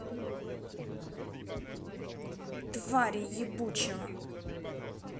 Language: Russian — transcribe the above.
твари ебучего